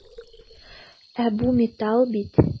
Ә бу металл бит!